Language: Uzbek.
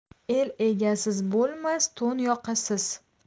el egasiz bo'lmas to'n yoqasiz